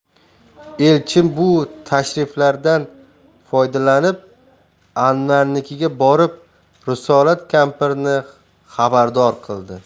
elchin bu tashriflardan foydalanib anvarnikiga borib risolat kampirni xabardor qildi